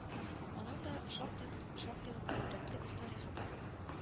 Аның да шактыйкъ шактый ук гыйбрәтле үз тарихы бар